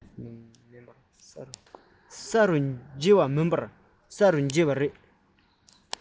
ས རུ འགྱེལ བ མིན པར ས རུ བསྒྱེལ བ རེད